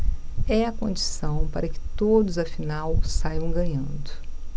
é a condição para que todos afinal saiam ganhando